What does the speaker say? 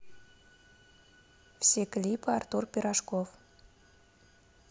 все клипы артур пирожков